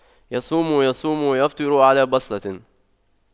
يصوم يصوم ويفطر على بصلة